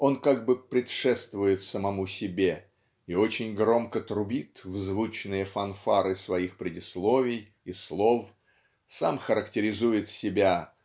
он как бы предшествует самому себе и очень громко трубит в звучные фанфары своих предисловий и слов сам характеризует себя